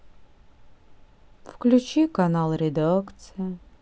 включи канал редакция